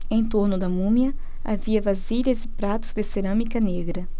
em torno da múmia havia vasilhas e pratos de cerâmica negra